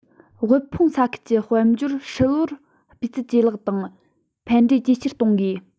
དབུལ ཕོངས ས ཁུལ གྱི དཔལ འབྱོར ཧྲིལ པོའི སྤུས ཚད ཇེ ལེགས དང ཕན འབྲས ཇེ ཆེར གཏོང དགོས